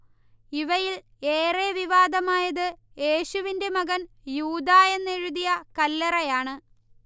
ഇവയിൽഏറെ വിവാദമായത് യേശുവിന്റെ മകൻ യൂദാ എന്നെഴുതിയ കല്ലറയാണ്